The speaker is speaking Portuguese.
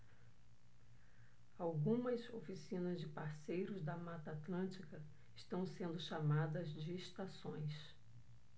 algumas oficinas de parceiros da mata atlântica estão sendo chamadas de estações